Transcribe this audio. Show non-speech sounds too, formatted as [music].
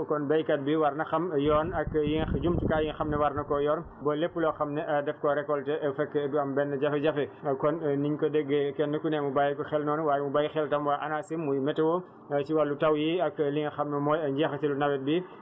kon baykat bi war na xam yoon ak [noise] jumtukaay yoo xam ne war na ko yor ba lépp loo xam ne daf koo récolter fekk du am benn jafe-jafe kon niñ ko déggee kenn ku ne mu bàyyi ko xel noonu waaye mu bàyyi xel tam waa ANACIM muy météo